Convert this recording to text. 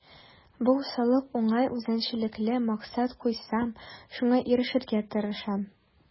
Бу усаллык уңай үзенчәлекле: максат куйсам, шуңа ирешергә тырышам.